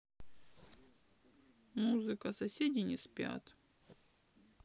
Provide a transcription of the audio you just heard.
музыка соседи не спят